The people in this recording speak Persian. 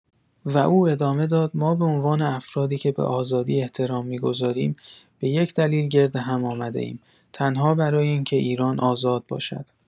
او ادامه داد: «ما به عنوان افرادی که به آزادی احترام می‌گذاریم به یک دلیل گرد هم آمده‌ایم، تنها برای این‌که ایران آزاد باشد».